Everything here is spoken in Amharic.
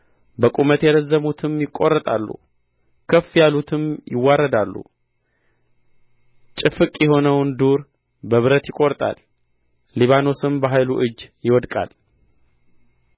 በቁመት የረዘሙትም ይቈረጣሉ ከፍ ያሉትም ይዋረዳሉ ጭፍቅ የሆነውንም ዱር በብረት ይቈርጣል ሊባኖስም በኃያሉ እጅ ይወድቃል